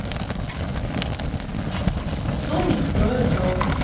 sonic строит дом